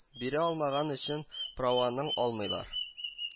Бирә алмаган өчен праваңны алмыйлар